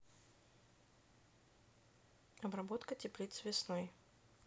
обработка теплиц весной